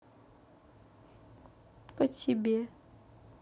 по тебе